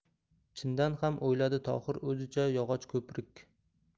chindan ham o'yladi tohir o'zicha yog'och ko'prik